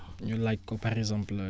ñu laaj ko par exemple